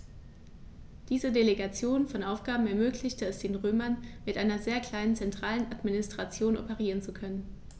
Diese Delegation von Aufgaben ermöglichte es den Römern, mit einer sehr kleinen zentralen Administration operieren zu können.